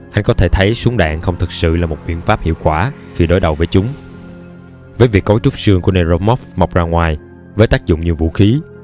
anh có thể thấy súng đạn không thực sự là một biện pháp hiệu quả khi đối đầu với chúng với việc cấu trúc xương của necromorphs mọc ra ngoài với tác dụng như vũ khí